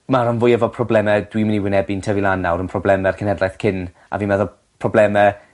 ma' ran fwyaf o probleme dwi myn' i wynebu'n tyfu lan nawr yn problome'r cendleth cyn a fi'n meddwl probleme